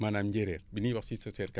maanaam njéeréer bi ñuy wax schistocerta